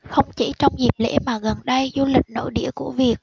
không chỉ trong dịp lễ mà gần đây du lịch nội địa của việt